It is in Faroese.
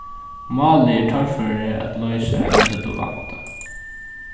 málið er torførari at loysa enn vit høvdu væntað